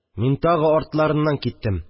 Мин тагы артларыннан киттем.